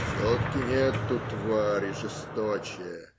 Все-таки нету твари жесточе.